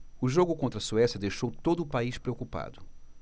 o jogo contra a suécia deixou todo o país preocupado